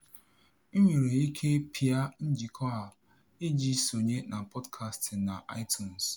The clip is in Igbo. Ị nwere ike pịa njikọ a iji sonye na pọdkastị na iTunes.